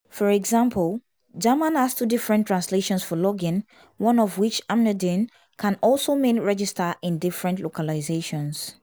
For example, German has two different translations for “Log in,” one of which (anmelden) can also mean “Register” in different localizations.